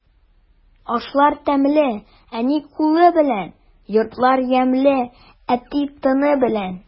Ашлар тәмле әни кулы белән, йортлар ямьле әти тыны белән.